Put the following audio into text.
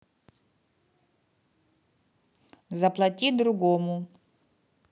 заплати другому